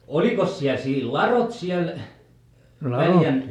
olikos siellä sillä ladot siellä Väljän